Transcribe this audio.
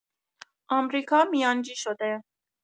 آمریکا میانجی شده